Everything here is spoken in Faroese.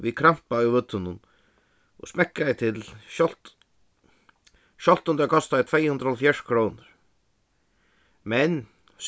við krampa í vøddunum og smekkaði til sjálvt sjálvt um tær kostaði tvey hundrað og hálvfjerðs krónur men